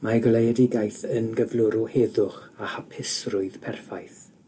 Mae goleuedigaeth yn gyflwr o heddwch a hapusrwydd perffaith.